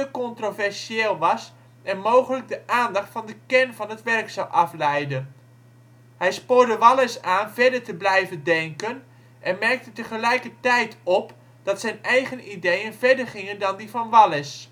controversieel was en mogelijk de aandacht van de kern van het werk zou afleiden. Hij spoorde Wallace aan verder te blijven denken en merkte tegelijkertijd op dat zijn eigen ideeën verder gingen dan die van Wallace